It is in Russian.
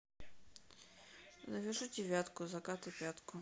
завяжу девятку заката пятку